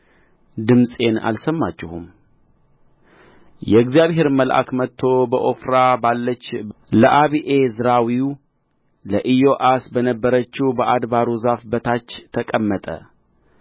ድምፄን አልሰማችሁም የእግዚአብሔርም መልአክ መጥቶ በዖፍራ ባለችው ለአቢዔዝራዊው ለኢዮአስ በነበረችው በአድባሩ ዛፍ በታች ተቀመጠ